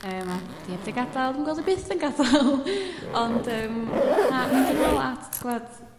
yym a 'di heb 'di gadal dwi'm yn gweld hi byth yn gadal ond yy ma' mynd yn nôl at t'gwod